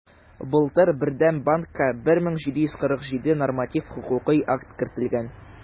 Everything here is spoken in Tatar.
Былтыр Бердәм банкка 1747 норматив хокукый акт кертелгән.